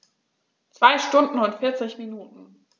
2 Stunden und 40 Minuten